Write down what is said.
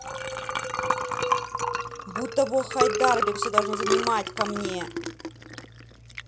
будто во хайдарбек все должно занимать ка мне